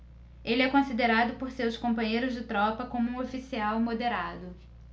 ele é considerado por seus companheiros de tropa como um oficial moderado